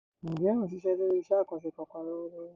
Ǹjẹ́ ò ń ṣiṣẹ́ lórí iṣẹ́ àkànṣe kankan lọ́wọ́lọ́wọ́?